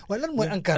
waaw lan mooy ANCAR